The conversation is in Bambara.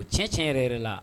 O cɛ cɛ yɛrɛ la